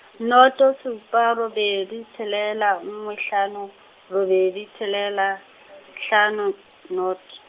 noto supa robedi tshelela nngwe hlano, robedi tshelela , hlano not-.